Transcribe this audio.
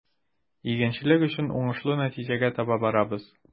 Игенчелек өчен уңышлы нәтиҗәгә таба барабыз.